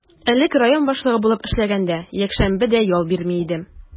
Элек район башлыгы булып эшләгәндә, якшәмбе дә ял бирми идем.